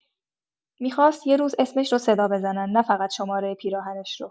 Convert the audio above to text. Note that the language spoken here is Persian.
می‌خواست یه روز اسمش رو صدا بزنن، نه‌فقط شماره پیراهنش رو.